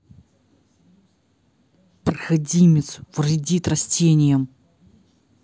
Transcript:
проходимец вредит растениям